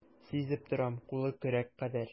Сизеп торам, кулы көрәк кадәр.